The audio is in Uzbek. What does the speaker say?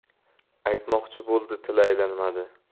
aytmoqchi bo'ldi tili aylanmadi